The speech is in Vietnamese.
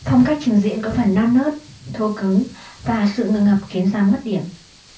phong cách trình diễn có phần non nớt thô cứng và sự ngượng ngập khiến giang mất điểm